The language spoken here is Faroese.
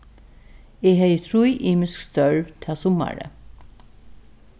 eg hevði trý ymisk størv tað summarið